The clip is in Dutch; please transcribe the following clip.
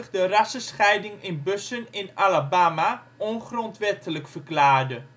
de rassenscheiding in bussen in Alabama ongrondwettelijk verklaarde